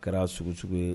Kɛra sogo cogo ye